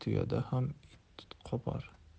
tuyada ham it qopar